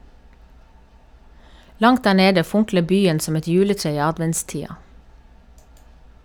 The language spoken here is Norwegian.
Langt der nede funkler byen som et juletre i adventstida.